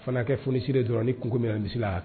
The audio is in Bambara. Fana kɛ fonisere ye dɔrɔn ni